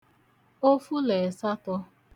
ofu là ẹ̀satọ̄